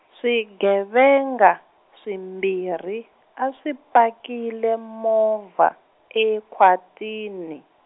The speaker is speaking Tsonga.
swigevenga, swimbirhi, a swi pakile movha, ekhwatini.